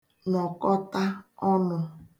nọ̀kọta ọnụ̄